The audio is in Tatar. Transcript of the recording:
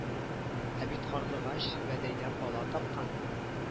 Ә бит карлыгач сүбәдәйдән бала тапкан